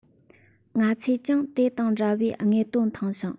ང ཚོས ཀྱང དེ དང འདྲ བའི དངོས དོན མཐོང ཞིང